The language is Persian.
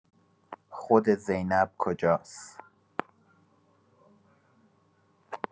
خود زینب کجاس؟